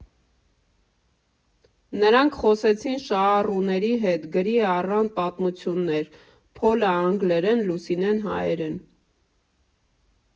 Նրանք խոսեցին շահառուների հետ, գրի առան պատմություններ՝ Փոլը անգլերեն, Լուսինեն՝ հայերեն։